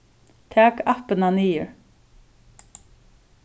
tak appina niður